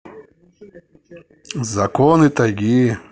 законы тайги